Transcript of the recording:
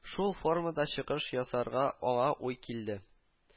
Шул “формада” чыгыш ясарга аңа уй килде